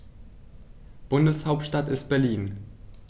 Bundeshauptstadt ist Berlin.